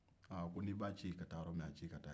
aa ko ne b'a ci ka taa yɔrɔ min a ci ka taa yen